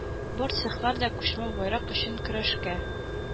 Бар цехлар да күчмә байрак өчен көрәшкә